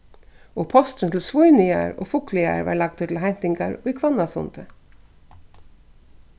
og posturin til svínoyar og fugloyar varð lagdur til heintingar í hvannasundi